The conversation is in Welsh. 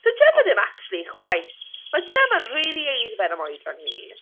'Sa Gemma ddim acshyli chwaith. Ma' Gemma'n rili aeddfed am oedran hi.